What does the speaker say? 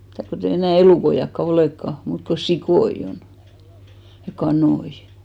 mitä kun ei enää elukoitakaan olekaan muuta kuin sikoja on ja kanoja